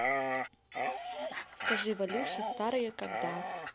скажи валюше старые когда